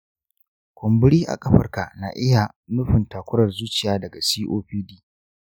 kumburi a ƙafarka na iya nufin takurar zuciya daga copd.